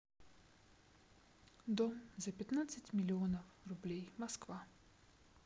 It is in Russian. дом за пятнадцать миллионов рублей москва